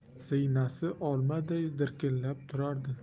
siynasi olmaday dirkillab turardi